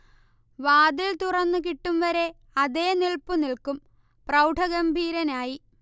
വാതിൽ തുറന്നു കിട്ടും വരെ അതേ നില്പു നിൽക്കും, പ്രൗഢഗംഭീരനായി